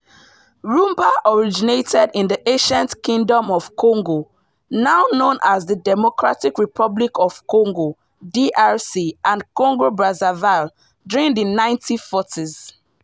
Rhumba originated in the ancient kingdom of Kongo now known as The Democratic Republic of Congo (DRC) and Congo-Brazzaville during the 1940s.